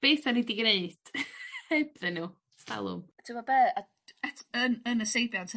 Beth 'dyn ni 'di gneud . T'mo' be' at- et- yn yn y seibiant